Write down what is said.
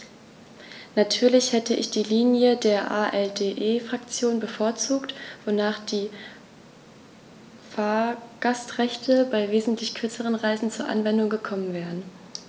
Natürlich hätte ich die Linie der ALDE-Fraktion bevorzugt, wonach die Fahrgastrechte bei wesentlich kürzeren Reisen zur Anwendung gekommen wären.